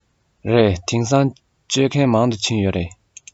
རེད དེང སང སྦྱོང མཁན མང དུ ཕྱིན ཡོད རེད